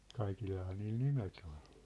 kaikillahan niillä nimet oli